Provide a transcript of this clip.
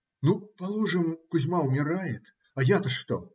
- Ну, положим, Кузьма умирает, а я-то что?